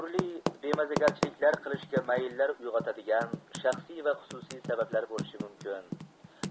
turli bemazagarchiliklar qilishga mayllar uyg'otadigan shaxsiy va xususiy sabablar bo'lishi mumkin